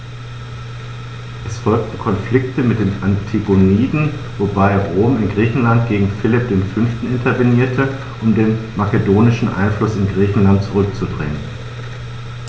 Es folgten Konflikte mit den Antigoniden, wobei Rom in Griechenland gegen Philipp V. intervenierte, um den makedonischen Einfluss in Griechenland zurückzudrängen.